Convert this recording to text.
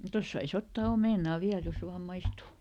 tuosta saisi ottaa omenan vielä jos vain maistuu